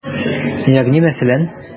Ягъни мәсәлән?